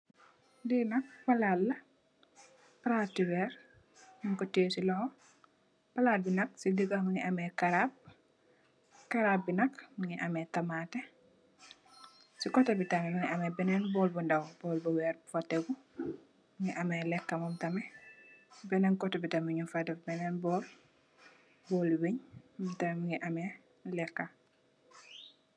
di nak platla plati werr plat bi nak mogui ci digah mogui ameh carap binak mogui ameh tamateh ci koteh bi nak mogui ameh beenbwol bo daww bubo temeit mogui ameh lecaka.